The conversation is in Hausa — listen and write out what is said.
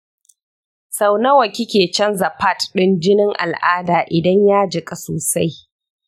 sau nawa kike canja pad ɗin jinin al’ada idan ya jika sosai?